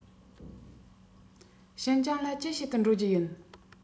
ཤིན ཅང ལ ཅི བྱེད དུ འགྲོ རྒྱུ ཡིན